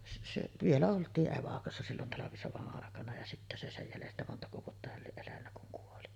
se se vielä oltiin evakossa silloin talvisodan aikana ja sitten se sen jäljestä montako vuotta hän lie elänyt kun kuoli